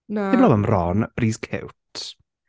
Na... Dwi'n meddwl am Ron but he's cute.